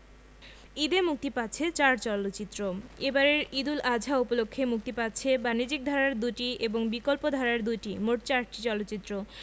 ঈদে মুক্তি পাচ্ছে চার চলচ্চিত্র এবারের ঈদ উল আযহা উপলক্ষে মুক্তি পাচ্ছে বাণিজ্যিক ধারার দুটি এবং বিকল্পধারার দুটি মোট চারটি চলচ্চিত্র